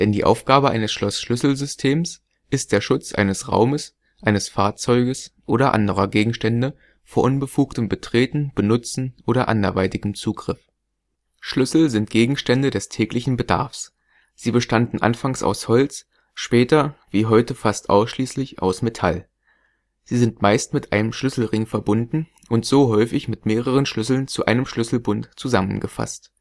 die Aufgabe eines Schloss-Schlüssel-Systems ist der Schutz eines Raumes, eines Fahrzeuges oder anderer Gegenstände vor unbefugtem Betreten, Benutzen oder anderweitigem Zugriff. Schlüssel sind Gegenstände des täglichen Bedarfs. Sie bestanden anfangs aus Holz, später – wie heute fast ausschließlich – aus Metall. Sie sind meist mit einem Schlüsselring verbunden und so häufig mit mehreren Schlüsseln zu einem Schlüsselbund zusammengefasst